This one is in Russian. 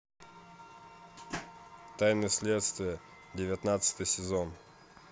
тайны следствия девятнадцатый сезон